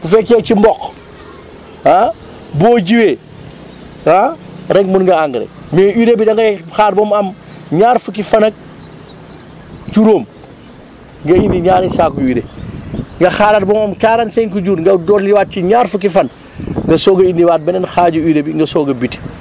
bu fekkee ci mboq ah boo jiwee ah rek mun nga engrais mais urée bi da ngay xaar ba mu am ñaar fukki fan ak juróom nga indi ñaari saako urée nga xaaraat ba mu am 45 jours nga dolliwaat ci ñaar fukki fan nga soog a indiwaat beneen xaaju urée bi nga soog a buté